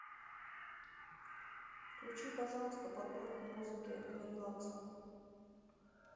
включи пожалуйста подборку музыки для релакса